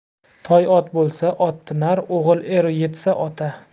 toy ot bo'lsa ot tinar o'g'il er yetsa ota